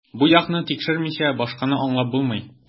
Бу якны тикшермичә, башканы аңлап булмый.